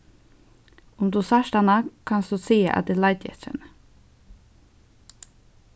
um tú sært hana kanst tú siga at eg leiti eftir henni